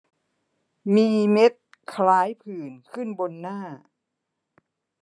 มีเม็ดคล้ายผื่นขึ้นบนหน้า